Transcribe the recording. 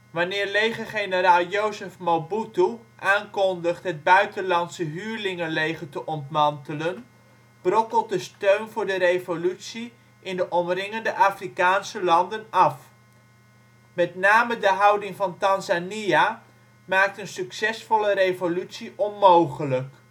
Wanneer legergeneraal Joseph Mobutu aankondigt het buitenlandse huurlingenleger te ontmantelen, brokkelt de steun voor de revolutie in de omringende Afrikaanse landen af. Met name de houding van Tanzania maakt een succesvolle revolutie onmogelijk